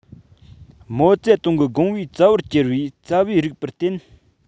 མའོ ཙེ ཏུང གི དགོངས པའི རྩ བར གྱུར པའི རྩ བའི རིགས པར བརྟེན